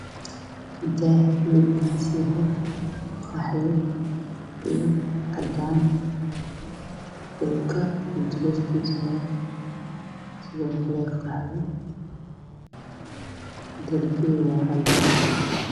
Waa daah qaxwi iyo cadaan ah